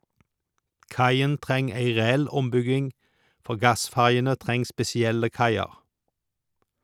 Kaien treng ei reell ombygging, for gassferjene treng spesielle kaiar.